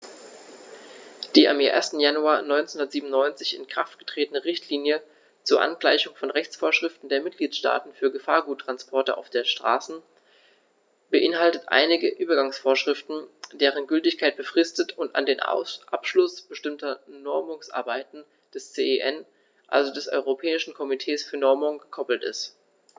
Die am 1. Januar 1997 in Kraft getretene Richtlinie zur Angleichung von Rechtsvorschriften der Mitgliedstaaten für Gefahrguttransporte auf der Straße beinhaltet einige Übergangsvorschriften, deren Gültigkeit befristet und an den Abschluss bestimmter Normungsarbeiten des CEN, also des Europäischen Komitees für Normung, gekoppelt ist.